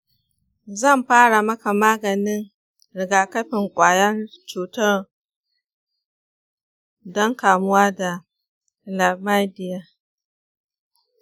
zan fara maka maganin rigakafin kwayar cuta don kamuwa da chlamydia.